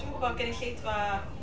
Dw i'm yn gwbod, gynulleidfa…